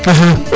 axa